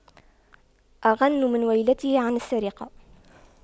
أغن من وليته عن السرقة